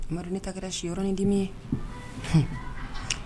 I ma dɔn ne ta kɛra si sɔrɔ ni dimi ye ? Hun!